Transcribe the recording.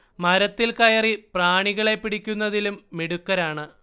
മരത്തിൽ കയറി പ്രാണികളെ പിടിയ്ക്കുന്നതിലും മിടുക്കരാണ്